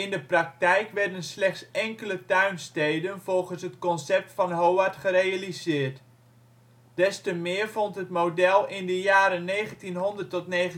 de praktijk werden slechts enkele tuinsteden volgens het concept van Howard gerealiseerd; des te meer vond het model in de jaren 1900-1925